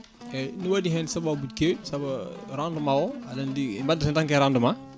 eyyi ɗum ne waɗi hen sababuji kewɗi saabu rendement o aɗa andi mbaddaten tan koye rendement